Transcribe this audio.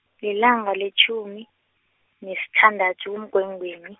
lilanga letjhumi, nesithandathu kuMgwengweni.